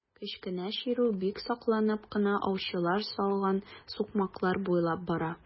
Кечкенә чирү бик сакланып кына аучылар салган сукмаклар буйлап бара.